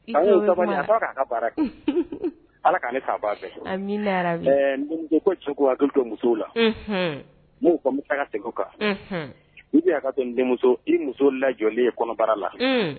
A k'a ka baara kɛ ala' fɛ koku hakili musow la bɛ segin kan i bɛ'a ka denmuso i muso la jɔlen ye kɔnɔbara la